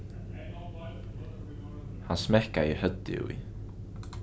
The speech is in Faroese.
hann smekkaði høvdið í